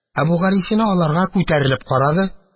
Әбүгалисина аларга күтәрелеп карады.